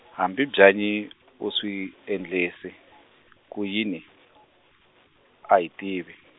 hambi Byanyi , u swi endlise , ku yini, a hi tivi.